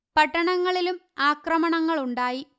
പട്ടണങ്ങളിലും ആക്രമണങ്ങളുണ്ടായി